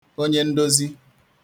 onyendozì